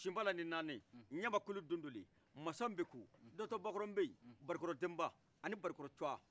simbala ni naani ɲabakulu dundunli masa npeku dɔtɔbakɔrɔ nbeyi bakɔrɔ tenba ani bakɔrɔ cɔ